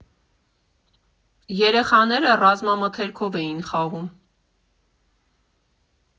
Երեխաները ռազմամթերքով էին խաղում։